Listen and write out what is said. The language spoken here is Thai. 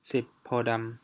สิบโพธิ์ดำ